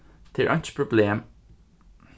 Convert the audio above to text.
tað er einki problem